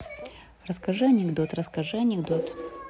расскажи анекдот расскажи анекдот